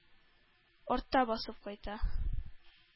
Артта басып кайта.